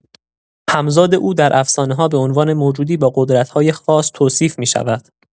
همزاد او در افسانه‌ها به عنوان موجودی با قدرت‌های خاص توصیف می‌شود.